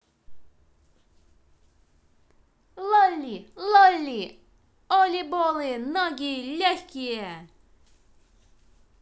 lolly lolly олиболы ноги легкие